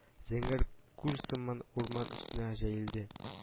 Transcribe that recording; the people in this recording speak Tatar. Зәңгәр күл сыман, урман өстенә җәелде